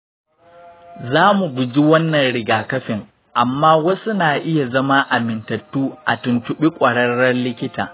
za mu guji wannan rigakafin, amma wasu na iya zama amintattu. a tuntuɓi ƙwararren likita.